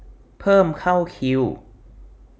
เพิ่มเข้าคิว